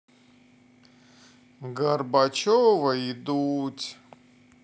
горбачева и дудь